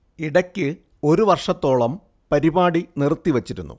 ഇടയ്ക് ഒരു വർഷത്തോളം പരിപാടി നിർത്തി വച്ചിരുന്നു